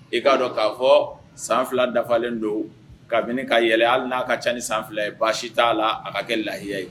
I k'a dɔn k'a fɔ san 2 dafalen don kabini ka yɛlɛ, hali n'a ka caa ni san 2 ye baasi t'a la a ka kɛ lahiya ye.